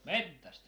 metsästä